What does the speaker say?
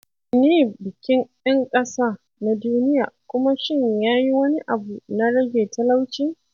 Mene ne Bikin 'Yan Ƙasa na Duniya kuma Shin Ya Yi Wani Abu na Rage Talauci?